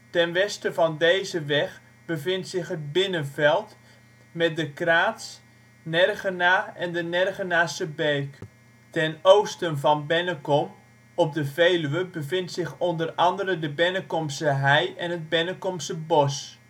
Ten westen van deze weg bevindt zich het Binnenveld, met de De Kraats, Nergena en de Nergenase beek. Ten oosten van Bennekom op de Veluwe bevindt onder andere de Bennekomse hei en het Bennekomse bos